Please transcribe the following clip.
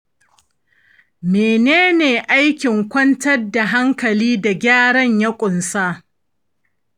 mene ne aikin kwantar da hankali da gyaran ya ƙunsa?